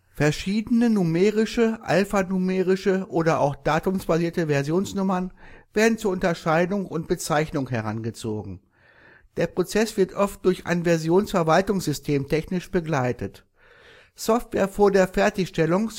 Verschiedene numerische, alphanumerische oder auch datumsbasierte Versionsnummern werden zur Unterscheidung und Bezeichnung herangezogen. Der Prozess wird oft durch ein Versionsverwaltungssystem technisch begleitet. Software vor der Fertigstellung